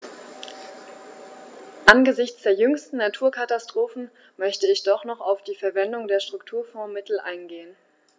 Angesichts der jüngsten Naturkatastrophen möchte ich doch noch auf die Verwendung der Strukturfondsmittel eingehen.